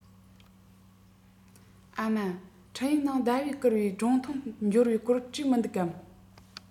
ཨ མ འཕྲིན ཡིག ནང ཟླ བས བསྐུར བའི སྒྲུང ཐུང འབྱོར བའི སྐོར བྲིས མི འདུག གམ